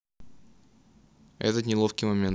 этот неловкий момент